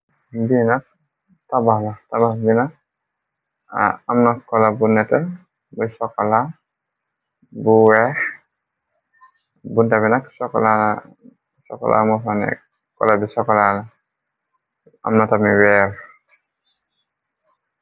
Biinak tabaxla tarax bnak amna kola bunetab sokoa bu weex bu nta binak sokolamofanekola bi sokolala amnatami weer.